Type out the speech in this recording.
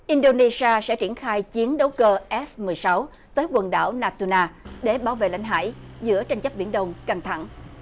in đô nê si a sẽ triển khai chiến đấu cơ ép mười sáu tới quần đảo na tu na để bảo vệ lãnh hải giữa tranh chấp biển đông căng thẳng